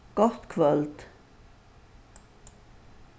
gott kvøld